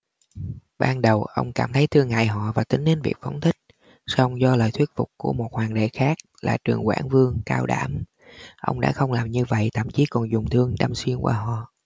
ban đầu ông cảm thấy thương hại họ và tính đến việc phóng thích song do lời thuyết phục của một hoàng đệ khác là trường quảng vương cao đảm ông đã không làm như vậy thậm chí còn dùng thương đâm xuyên qua họ